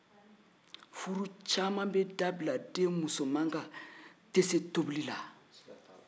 furu camaan be dabila den musonman tɛ se tobili la kama